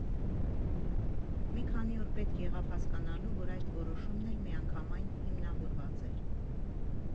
Մի քանի օր պետք եղավ հասկանալու, որ այդ որոշումն էլ միանգամայն հիմնավորված էր։